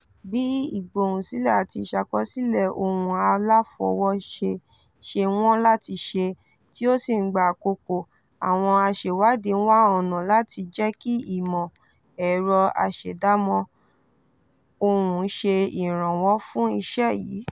Bí ìgbohùnsílẹ̀ àti ìṣàkọsílẹ̀ ohùn aláfọwọ́ṣe ṣe wọ́n láti ṣe tí ó sì ń gba àkókò, àwọn aṣèwádìí ń wá ọ̀nà láti jẹ́ kí ìmọ̀-ẹ̀rọ aṣèdámọ̀ ohùn ṣe ìrànwọ́ fún iṣẹ́ yìí.